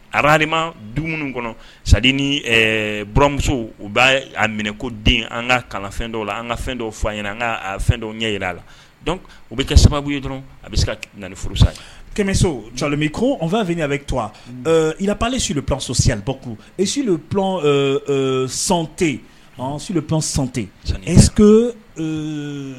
Arahama dumuni kɔnɔ sadi ni bmuso u b'a a minɛ ko den an ka kana fɛn dɔw la an ka fɛn dɔw fa an ɲɛna an ka fɛn dɔw ɲɛ jira a la o bɛ kɛ sababu ye dɔrɔn a bɛ se ka na furusa ye kɛmɛso ko n fɛn fɛ ɲɛ bɛ to irapale suursosibaku e sante su sante eee